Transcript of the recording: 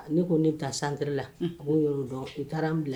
Ne ko ne bɛ taa santeri la a b'o yɔrɔ dɔn u bɛ taara an bila